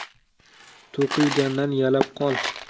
to'kilgandan yalab qol